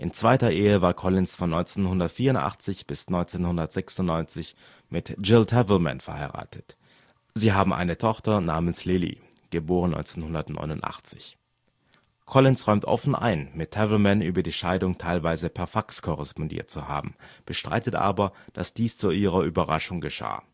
zweiter Ehe war Collins von 1984 bis 1996 mit Jill Tavelman verheiratet. Sie haben eine Tochter namens Lily (* 1989). Collins räumt offen ein, mit Tavelman über die Scheidung teilweise per Fax korrespondiert zu haben, bestreitet aber, dass dies zu ihrer Überraschung geschah